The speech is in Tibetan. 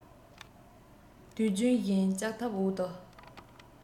དུས རྒྱུན བཞིན ལྕགས ཐབ འོག ཏུ